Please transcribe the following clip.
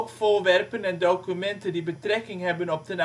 voorwerpen en documenten die betrekking hebben op de